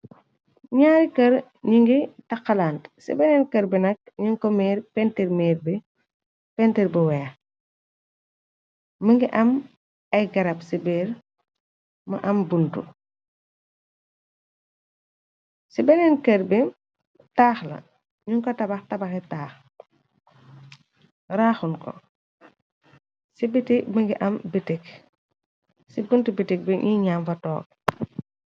Ñaari kër ñi ngi taxalaante, ci beneen kër bi nak ñuñ ko miir, pentir miir bi pentir bu weex, më ngi am ay garab ci biir, mu am buntu, si benneen kër bi taax la, ñuñ ko tabax, tabaxi taax raaxun ko, ci biti mi ngi am bitik, ci buntu bitik bi niñaag fa toog.